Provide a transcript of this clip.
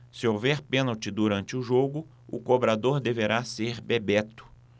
se houver pênalti durante o jogo o cobrador deverá ser bebeto